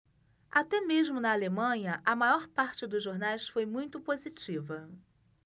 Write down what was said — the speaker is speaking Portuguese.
até mesmo na alemanha a maior parte dos jornais foi muito positiva